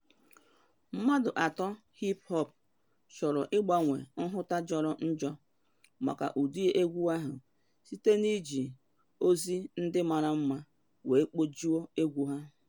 Mmadụ atọ hip hop chọrọ ịgbanwe nhụta jọrọ njọ maka ụdị egwu ahụ site na iji ozi ndị mara mma wee kpojuo egwu ha.